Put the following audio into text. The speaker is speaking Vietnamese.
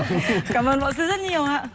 cảm ơn võ sư rất nhiều ạ